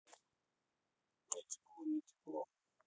не тепло не тепло